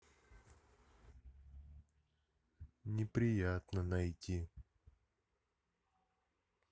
неприятно найти